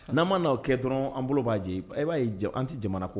N'an mana n'aw kɛ dɔrɔn an bolo b'a jɛ e b'a ye an tɛ jamana kuwa